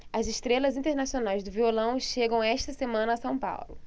as estrelas internacionais do violão chegam esta semana a são paulo